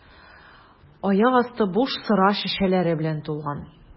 Аяк асты буш сыра шешәләре белән тулган.